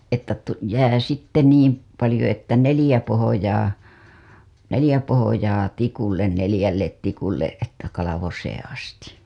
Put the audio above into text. että - jää sitten niin paljon että neljä pohjaa neljä pohjaa tikulle neljälle tikulle että kalvoseen asti